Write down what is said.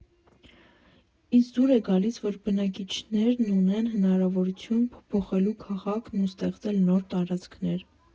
«Ինձ դուր է գալիս, որ բնակիչներն ունեն հնարավորություն փոփոխելու քաղաքն ու ստեղծել նոր տարածքներ։